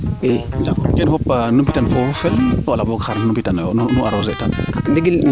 kene fop nu mbi tan foofo fel wala boog xar nu mbi tanoyo kum nu arroser tanoyo